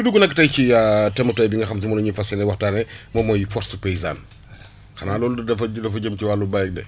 ñu dugg nag tey ci thème mu tey bi nga xamante moom la ñu fas yéene waxtaanee moom mooy force paysane xanaa loolu dafa jëm ci wàllu béy rek de